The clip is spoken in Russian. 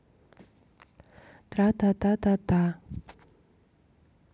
тра та та та та